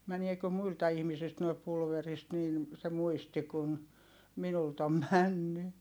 meneekö muilta ihmisiltä nuo pulverista niin se muisti kun minulta on mennyt